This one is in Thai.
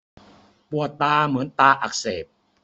ปวดตาเหมือนตาอักเสบ